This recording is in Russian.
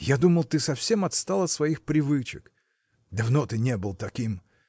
Я думал, ты совсем отстал от своих привычек. Давно ты не был таким.